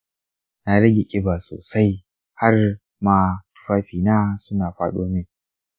na rage ƙiba sosai har ma tufafina suna faɗo min